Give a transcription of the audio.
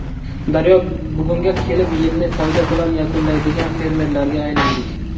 daryo bugunga kelib yilni foyda bilan yakunlaydigan fermerlarga aylandik